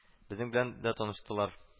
Безнең белән дә таныштылар